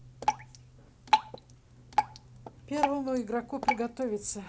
первому игроку приготовиться